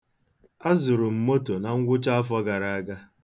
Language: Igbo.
Azụrụ m moto na ngwụchaafọ gara aga.